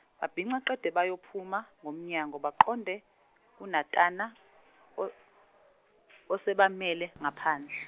babhinca qede bayophuma, ngomnyango baqonde , kuNatana o- osebamele ngaphandle.